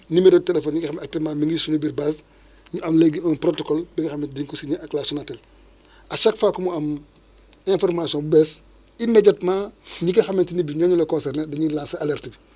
numéro de téléphone yi nga xam ne actuellement mi ngi suñu biir base ñu am léegi un protocole bi nga xam ne dinañ ko signer ak waa Sonatel à chaque fois que mu am information bu bees immédiatement ñi nga xamante ni bi ñooñu la concerné dañuy lancer alerte bi